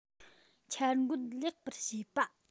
འཆར འགོད ལེགས པར བྱེད པ